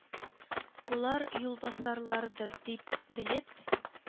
Болар юлбасарлардыр дип белеп,